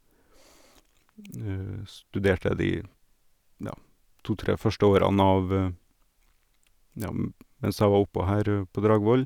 Studert det de, ja, to tre første årene av ja mb mens jeg var oppå her, på Dragvoll.